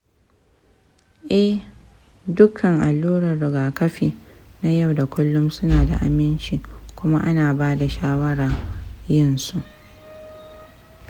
eh, dukkan alluran rigakafi na yau da kullum suna da aminci kuma ana ba da shawarar yinsu.